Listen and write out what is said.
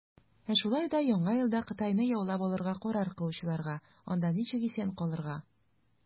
Ә шулай да Яңа елда Кытайны яулап алырга карар кылучыларга, - анда ничек исән калырга.